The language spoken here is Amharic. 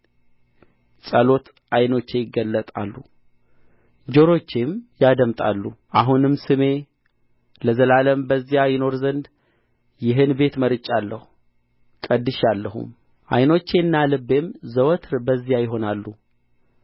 ጸሎት ዓይኖቼ ይገለጣሉ ጆሮቼም ያደምጣሉ አሁንም ስሜ ለዘላለም በዚያ ይኖር ዘንድ ይህን ቤት መርጫለሁ ቀድሻለሁም ዓይኖቼና ልቤም ዘወትር በዚያ ይሆናሉ